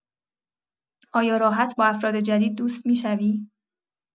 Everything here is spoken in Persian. آیا راحت با افراد جدید دوست می‌شوی؟